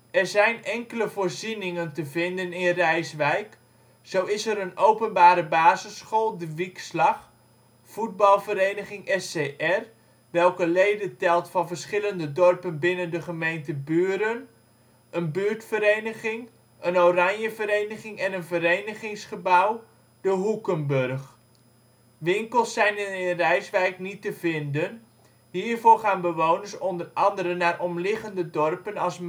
zijn enkele voorzieningen te vinden in Rijswijk. Zo is er Openbare Basisschool de Wiekslag, voetbalvereniging SCR (welke leden telt van verschillende dorpen binnen de gemeente Buren), een buurtvereniging, een oranjevereniging en een verenigingsgebouw, de Hoekenburg. Winkels zijn er in Rijswijk niet te vinden, hiervoor gaan bewoners onder andere naar omliggende dorpen als